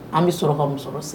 An bɛ sɔrɔ ka musɔrɔ siri